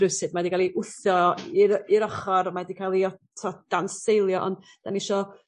...rywsut ma' 'di ga'l 'i wthio i'r yy i'r ochor mae di ca'l i o- t'od danseilio on' 'dan ni isio